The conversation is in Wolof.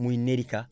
muy nerica